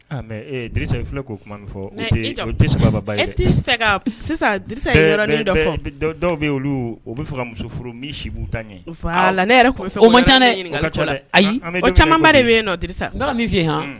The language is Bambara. ' fɔ dɔw bɛ olu o bɛ muso furu si ta la ne o caman yen